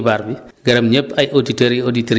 ok maa ngi gërëm ñëpp maa ngi lay gërëm yow tam